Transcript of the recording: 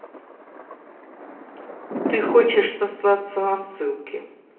ты хочешь сослаться на ссылке